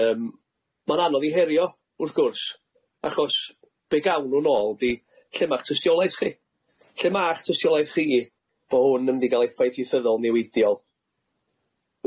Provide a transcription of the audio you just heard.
yym ma'n anodd i herio wrth gwrs achos be' gawn nw nôl ydi lle ma'ch tystiolaeth chi lle ma'ch tystiolaeth chi fo' hwn yn mynd i ga'l effaith ieithyddol niweidiol,